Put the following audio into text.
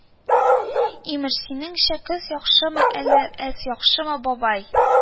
Имеш: “синеңчә, көз яхшымы, әллә аз яхшымы, бабай